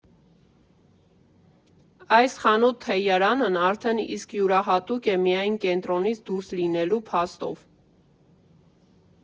Այս խանութ֊թեյարանն արդեն իսկ յուրահատուկ է միայն Կենտրոնից դուրս լինելու փաստով.